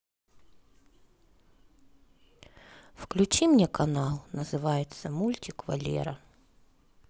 включи мне канал называется мультик валера